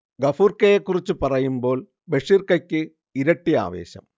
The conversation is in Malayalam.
ഗഫൂർക്കയെ കുറിച്ച് പറയുമ്പോൾ ബഷീർക്കക്ക് ഇരട്ടി ആവേശം